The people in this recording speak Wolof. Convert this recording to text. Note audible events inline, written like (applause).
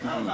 (hesitation) (hesitation)